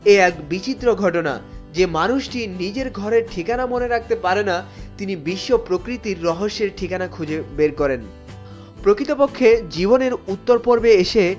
এ এক বিচিত্র ঘটনা যে মানুষটি নিজের ঘরের ঠিকানা মনে রাখতে পারে না তিনি বিশ্ব প্রকৃতির রহস্যের ঠিকানা খুঁজে বের করেন প্রকৃতপক্ষে জীবনের উত্তর পর্বে এসে